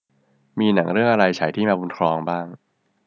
มีหนังเรื่องอะไรฉายที่มาบุญครองบ้าง